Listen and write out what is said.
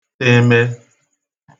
teme